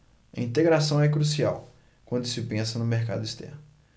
a integração é crucial quando se pensa no mercado externo